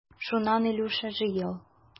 Шуннан, Илюша, җыел.